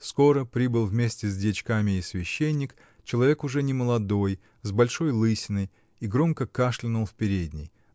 Скоро прибыл вместе с дьячками и священник, человек уже не молодой, с большой лысиной, и громко кашлянул в передней